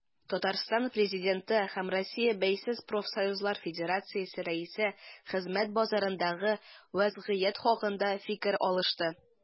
Татарстан Президенты һәм Россия Бәйсез профсоюзлар федерациясе рәисе хезмәт базарындагы вәзгыять хакында фикер алышты.